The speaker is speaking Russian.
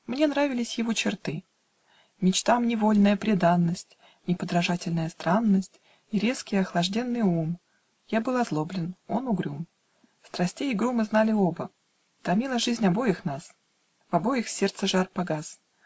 Мне нравились его черты, Мечтам невольная преданность, Неподражательная странность И резкий, охлажденный ум. Я был озлоблен, он угрюм Страстей игру мы знали оба Томила жизнь обоих нас В обоих сердца жар угас